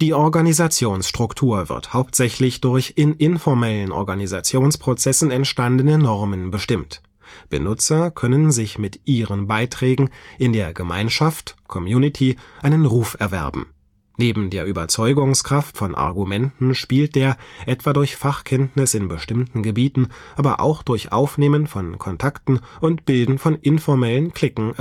Organisationsstruktur wird hauptsächlich durch in informellen Organisationsprozessen entstandene Normen bestimmt. Benutzer können sich mit ihren Beiträgen in der Gemeinschaft (community) einen Ruf erwerben. Neben der Überzeugungskraft von Argumenten spielt der – etwa durch Fachkenntnis in bestimmten Gebieten, aber auch durch Aufnehmen von Kontakten und Bilden von informellen Cliquen